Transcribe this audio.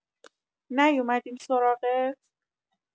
نیومدیم سراغت؟